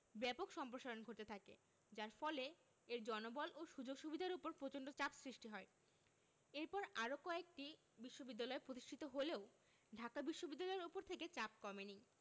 ব্যাপক সম্প্রসারণ ঘটতে থাকে যার ফলে এর জনবল ও সুযোগ সুবিধার ওপর প্রচন্ড চাপ সৃষ্টি হয় এরপর আরও কয়েকটি বিশ্ববিদ্যালয় প্রতিষ্ঠিত হলেও ঢাকা বিশ্ববিদ্যালয়ের ওপর থেকে চাপ কমেনি